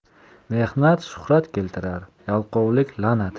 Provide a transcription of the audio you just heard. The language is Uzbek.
mehnat shuhrat keltirar yalqovlik la'nat